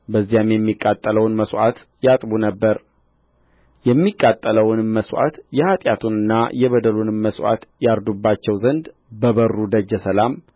በዚያም የሚቃጠለውን መሥዋዕት ያጥቡ ነበር የሚቃጠለውንም መሥዋዕት የኃጢአቱንና የበደሉንም መሥዋዕት ያርዱባቸው ዘንድ በበሩ ደጀ ሰላም